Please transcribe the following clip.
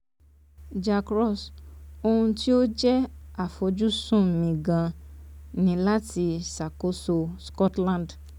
Jack Ross: “Ohun tí ó jẹ́ àfojúsùn mi gan an ni láti ṣàkóso Scotland’